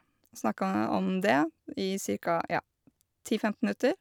Og snakke om det i cirka, ja, ti femten minutter.